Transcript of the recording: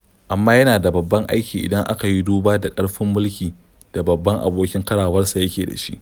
Amma yana da babban aiki idan aka yi duba da ƙarfin mulki da babban abokin karawarsa yake da shi.